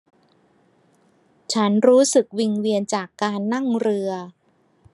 ฉันรู้สึกวิงเวียนจากการนั่งเรือ